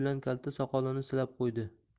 bilan kalta soqolini silab qo'ydi